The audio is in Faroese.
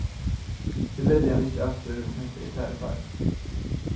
eg velji hann ikki aftur um hatta er tað eg fái